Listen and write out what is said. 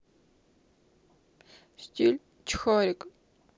стиль чхарек